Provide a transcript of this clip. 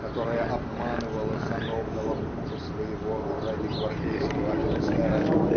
которая обманывала сановного мужа своего ради гвардейского офицера